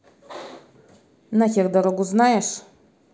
нахер дорогу знаешь